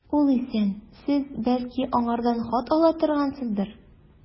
Ул исән, сез, бәлки, аңардан хат ала торгансыздыр.